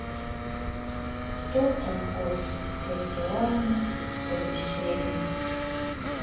кто такой виртуальный собеседник